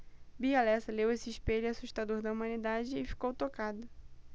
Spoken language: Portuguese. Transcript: bia lessa leu esse espelho assustador da humanidade e ficou tocada